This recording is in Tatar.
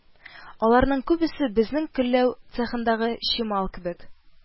Аларның күбесе безнең көлләү цехындагы чимал кебек